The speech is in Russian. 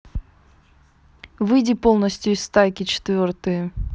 выйди полностью из стайки четвертый